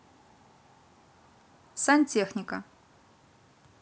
сантехника